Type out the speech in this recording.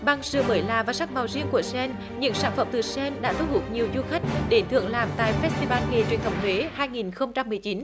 bằng sự mới lạ với sắc màu riêng của sen những sản phẩm từ sen đã giúp hút nhiều du khách đến triển lãm tại phét ti van nghề truyền thống huế hai nghìn không trăm mười chín